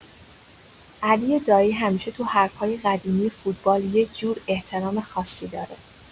علی دایی همیشه تو حرفای قدیمی فوتبال یه جور احترام خاصی داره.